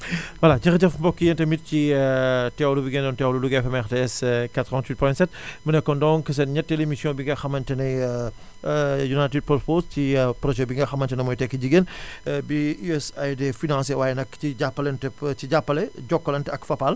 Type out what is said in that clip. voilà jërëjëf mbokk yi yéen tamit ci teewlu bi ngeen doon teewlu Louga FM RTS 88.7 mu nekkoon donc seen énetteelu émission bi nga xamante ne United Purpose ci projet bi nga xamante ne mooy tekki jigéen bi USAID financé waaye nag ci jàppante ci jàppale Jokalante ak Fapal